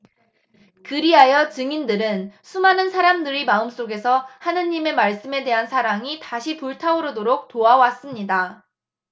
그리하여 증인들은 수많은 사람들의 마음속에서 하느님의 말씀에 대한 사랑이 다시 불타오르도록 도와 왔습니다